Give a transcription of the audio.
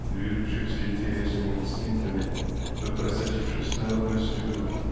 движущихся интересами и инстинктами то просочившись в народную среду